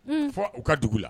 Fɔ u ka dugu la.